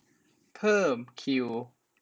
เพิ่มคิว